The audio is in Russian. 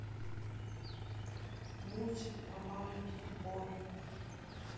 мультик про маленьких пони